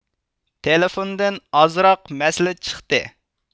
تېلېفوندىن ئازراق مەسىلە چىقىتى